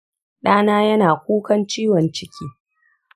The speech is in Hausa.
ɗana yana kukan ciwon ciki.